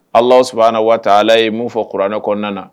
Ala sɔnna waata ala ye mun fɔ kuranɛ kɔnɔna na